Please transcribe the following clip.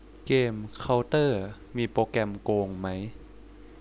เกมเค้าเตอร์มีโปรแกรมโกงไหม